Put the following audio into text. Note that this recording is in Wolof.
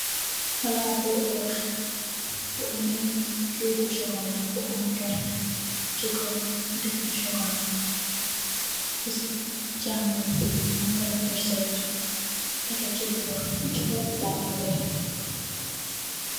Palat bu weex bu ame togu cxocola bu am gerte si kaw def si cxocola si sah cxamun mu yorex furset tege si borr si kaw palat bu weex bi.